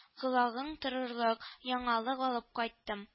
Колагың торырлык яңалык алып кайттым